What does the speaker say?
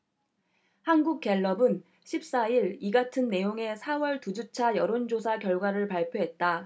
한국갤럽은 십 사 일 이같은 내용의 사 월 두 주차 여론조사 결과를 발표했다